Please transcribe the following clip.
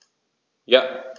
Ja.